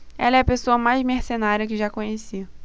ela é a pessoa mais mercenária que já conheci